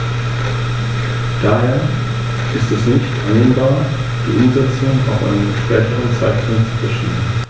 Dies ist ein Bereich, in dem sich die Kommission, wie ich meine, als wahrer Freund von Wales erweisen kann.